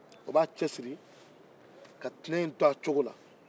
a b'a cɛsiri ka tɛnɛ to a cogo la